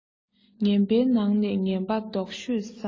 ངན པའི ནང ནས ངན པ སྡུག ཤོས སམ